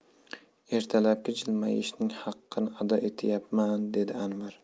ertalabki jilmayishingning haqqini ado etyapman dedi anvar